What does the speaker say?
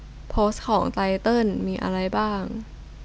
โพสต์ของไตเติ้ลมีอะไรบ้าง